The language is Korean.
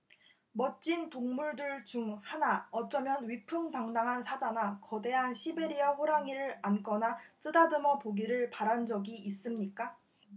멋진 동물들 중 하나 어쩌면 위풍당당한 사자나 거대한 시베리아호랑이를 안거나 쓰다듬어 보기를 바란 적이 있습니까